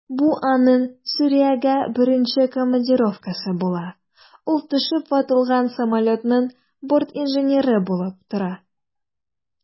Бу аның Сүриягә беренче командировкасы була, ул төшеп ватылган самолетның бортинженеры булып тора.